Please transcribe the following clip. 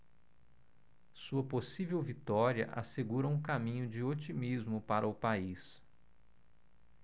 sua possível vitória assegura um caminho de otimismo para o país